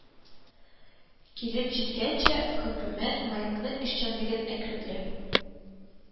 Килеп җиткәнче, хөкүмәт «маяк»ның эшчәнлеген әкренләп